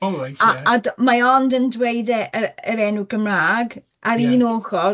Oh reit, yeah... A a d-... Mae e ond yn dweud y y yr enw Cymrâg ar... Ie... un ochor